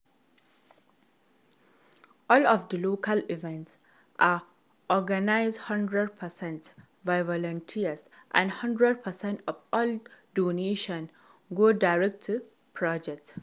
All of the local events are organized 100% by volunteers and 100% of all donations go direct to projects.